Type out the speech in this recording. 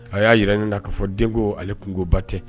A y'a jiranen na k'a fɔ denko ale kunkoba tɛ